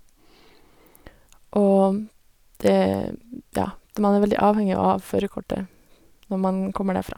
Og, det er ja, så man er veldig avhengig av å ha førerkortet når man kommer derfra.